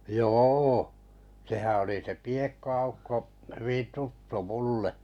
joo sehän oli se Piekko-Aukko hyvin tuttu minulle